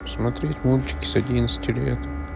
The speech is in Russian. смотреть мультики с одиннадцати лет